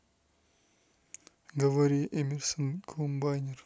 говори эмерсона комбайнер